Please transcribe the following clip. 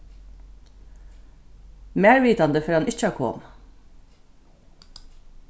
mær vitandi fer hann ikki at koma